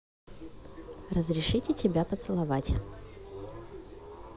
разрешите тебя поцеловать